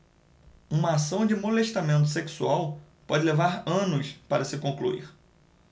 uma ação de molestamento sexual pode levar anos para se concluir